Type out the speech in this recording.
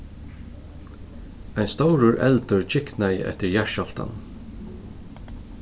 ein stórur eldur kyknaði eftir jarðskjálvtan